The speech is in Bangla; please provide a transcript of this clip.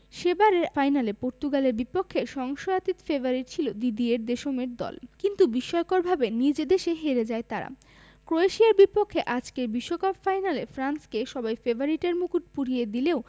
সেবারের ফাইনালে পর্তুগালের বিপক্ষে সংশয়াতীত ফেভারিট ছিল দিদিয়ের দেশমের দল কিন্তু বিস্ময়করভাবে নিজ দেশে হেরে যায় তারা ক্রোয়েশিয়ার বিপক্ষে আজকের বিশ্বকাপ ফাইনালে ফ্রান্সকে সবাই ফেভারিটের মুকুট পরিয়ে দিলেও